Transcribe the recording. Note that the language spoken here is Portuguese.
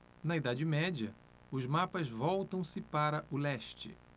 na idade média os mapas voltam-se para o leste